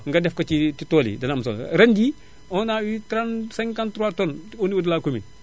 nga def ko ci ci tool yi dina am solo ren jii on a eu 30 53 tonnes au niveau de la commune